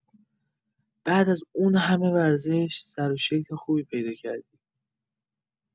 بعد از اون همه ورزش، سروشکل خوبی پیدا کردی!